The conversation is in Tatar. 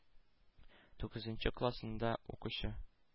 Тугызынчы классында укучы